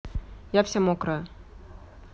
я вся мокрая